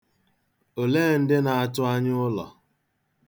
Olee ndị na-atụ anya ụlọ?